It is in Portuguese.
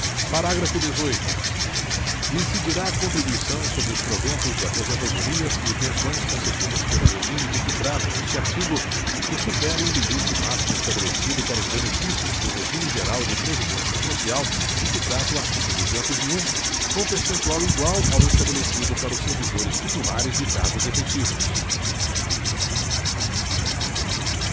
parágrafo dezoito incidirá contribuição sobre os proventos de aposentadorias e pensões concedidas pelo regime de que trata este artigo que superem o limite máximo estabelecido para os benefícios do regime geral de previdência social de que trata o artigo duzentos e um com percentual igual ao estabelecido para os servidores titulares de cargos efetivos